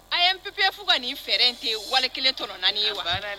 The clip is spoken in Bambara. A ye npf fo ka nin fɛɛrɛ in tɛ wali kelen tɔ naani ye